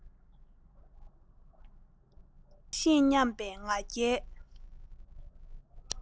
ཅི ཡང ཤེས སྙམ པའི ང རྒྱལ